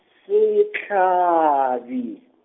sehlabi.